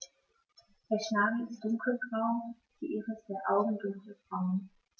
Der Schnabel ist dunkelgrau, die Iris der Augen dunkelbraun.